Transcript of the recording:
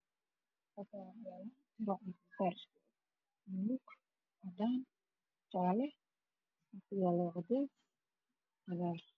Halkaan waxaa yaalo dirac midabkiisu waa beer, buluug, jaale iyo cadeys dhulka uu yaalo waa cadeys iyo cagaar.